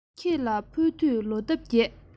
ཁྱེད ལ ཕུལ དུས ལོ འདབ རྒྱས